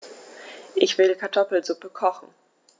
Ich will Kartoffelsuppe kochen.